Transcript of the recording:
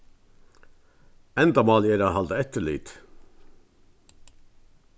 endamálið er at halda eftirlit